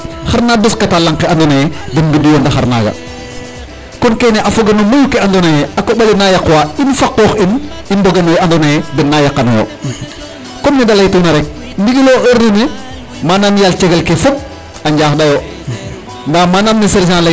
Xar na doskata lanq ke andoona yee den mbiduyo ndaxar naaga; kon kene a foga no mayu ke andoonaye a koƥ ale na yaqwaa in fa qoox in i mboga no we andoona yee den na yaqanooyo .Kom ne da laytuna rek ndigil o heure nene manaam yaal cegel ke fop a njaaxɗaayo ndaa manaam ne sergent laytuna.